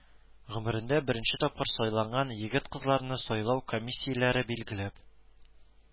Гомерендә беренче тапкыр сайлаган егеткызларны сайлау комиссияләре билгеләп